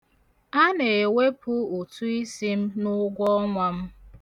Ana-ewepụ ụtụisi m n'ụgwọọnwa m.